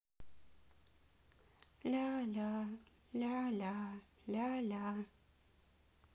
ля ля ля ля ля ля